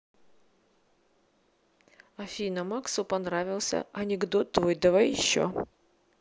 афина максу понравился анекдот твой давай еще